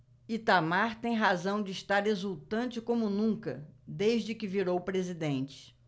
itamar tem razão de estar exultante como nunca desde que virou presidente